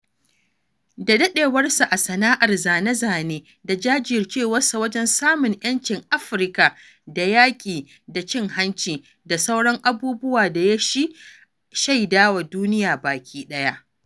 Daɗewarsa a sana'ar zane-zane da jajircewarsa wajen samun 'yancin Afirka da yaƙi da cin-hanci da sauran abubuwa ya ba shi shaida a duniya baki ɗaya.